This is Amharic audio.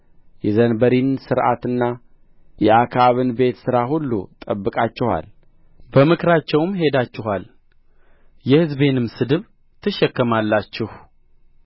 የዘንበሪን ሥርዓትና የአክዓብን ቤት ሥራ ሁሉ ጠብቃችኋል በምክራቸውም ሄዳችኋል የሕዝቤንም ስድብ ትሸከማላችሁ